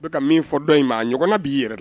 Bɛka ka min fɔ dɔ in ma ɲɔgɔn b'i yɛrɛ dɛ